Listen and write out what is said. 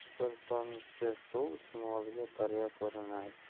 bir tomchi suv chumoliga daryo ko'rinar